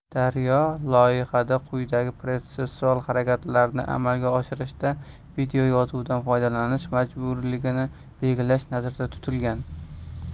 daryo loyihada quyidagi protsessual harakatlarni amalga oshirishda videoyozuvdan foydalanish majburiyligini belgilash nazarda tutilgan